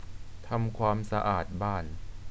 ทำความสะอาดบ้าน